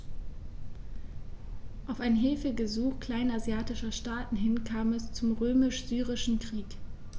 Auf ein Hilfegesuch kleinasiatischer Staaten hin kam es zum Römisch-Syrischen Krieg.